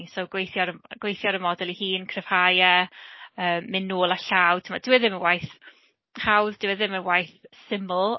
So gweithio ar y gweithio ar y model ei hun, cryfhau e, yy mynd nôl a llaw, timod dyw e ddim yn waith hawdd, dyw e ddim yn waith syml.